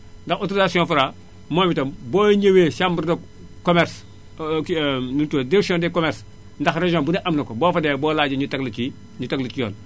ndax autorisation Fra moom itam boo ñëwee chambre de commerce nu mu tuddati direction des commerce ndax région bu ne am na ko boo fa demee boo laajee ñu teg la ci ñu teg la ci yoon